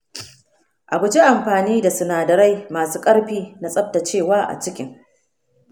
a guji amfani da sinadarai masu ƙarfi na tsaftacewa a cikin.